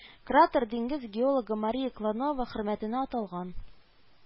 Кратер диңгез геологы Мария Клонова хөрмәтенә аталган